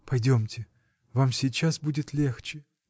Пойдемте, вам сейчас будет легче.